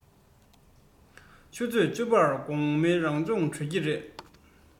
ཆུ ཚོད བཅུ པར དགོང མོའི རང སྦྱོང གྲོལ ཀྱི རེད